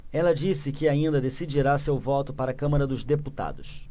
ela disse que ainda decidirá seu voto para a câmara dos deputados